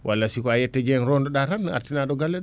walla siko a yetta Dieng rondoɗa tan artira ɗo galle ɗo